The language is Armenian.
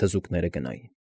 Թզուկները գնային։